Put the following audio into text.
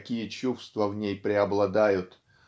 какие чувства в ней преобладают